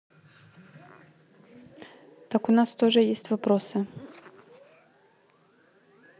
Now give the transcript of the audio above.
так у нас тоже есть вопросы